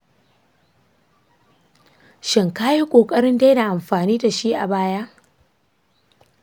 shin ka yi ƙoƙarin daina amfani da shi a baya?